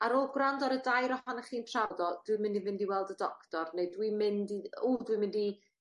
ar ôl gwrando ar y dair ohonoch chi'n trafod o dwi'n mynd i fynd i doctor neu dwi'n mynd i w dwi'n mynd i